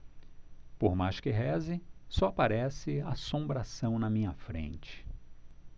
por mais que reze só aparece assombração na minha frente